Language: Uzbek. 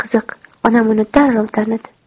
qiziq onam uni darrov tanidi